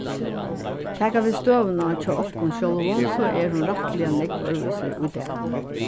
taka vit støðuna hjá okkum sjálvum so er hon rættiliga nógv øðrvísi í dag